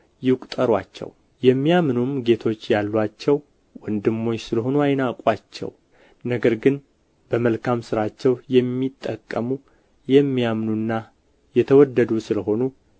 ይቍጠሩአቸው የሚያምኑም ጌቶች ያሉአቸው ወንድሞች ስለ ሆኑ አይናቁአቸው ነገር ግን በመልካም ሥራቸው የሚጠቅሙ የሚያምኑና የተወደዱ ስለ ሆኑ